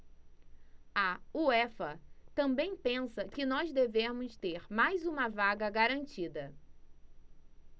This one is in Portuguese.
a uefa também pensa que nós devemos ter mais uma vaga garantida